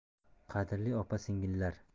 qadrli opa singillar